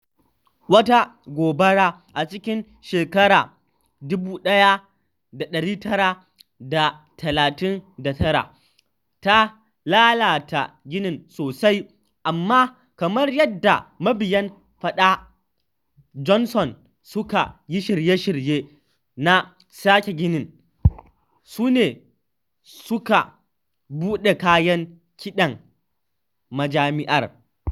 Wata gobara a cikin shekarar 1939 ta lalata ginin sosai, amma kamar yadda mabiyan Fada Johnson suka yi shirye-shirye na sake ginin, su ne suka buɗe kayan kiɗan majami’ar.